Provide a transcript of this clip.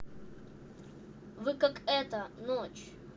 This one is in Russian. вы как это ночь